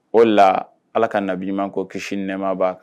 O de laa Ala ka nabiɲuma ko kisi ni nɛma b'a kan